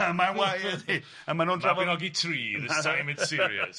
A mae'n wau, yndy a maen nhw'n drafod... Mabinogi tri, this time it's serious .